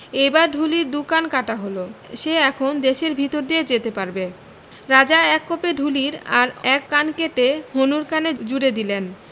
এইবার ঢুলির দু কান কাটা হল সে এখন দেশের ভিতর দিয়ে যেতে পারবে রাজা এক কোপে ঢুলির আর এক কান কেটে হনুর কানে জুড়ে দিলেন